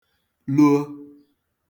luo